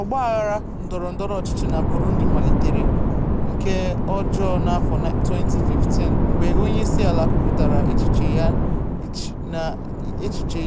Ọgbaaghara ndọrọndọrọ ọchịchị na Burundi malitere nke ọjọọ n'afọ 2015 mgbe onyeisiala kwupụtara echiche